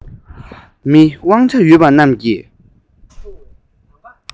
མི དབང ཆ ཡོད པ རྣམས ཀྱིས